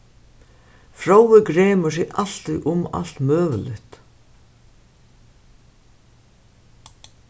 fróði gremur seg altíð um alt møguligt